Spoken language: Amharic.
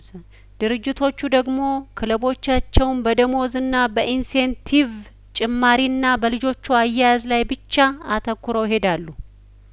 ድርጅቶቹ ደግሞ ክለቦቻቸውን በደሞዝና በኢንሴንቲቭ ጭማሪና በልጆቹ አያያዝ ላይ ብቻ አተኩረው ይሄዳሉ